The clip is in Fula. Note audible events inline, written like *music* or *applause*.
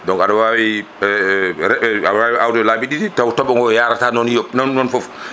donc aɗa wawi *hesitation* aɗa wawi awde laabi ɗiɗi taw tooɓo ngo yarata noon yeppeu noon noon foof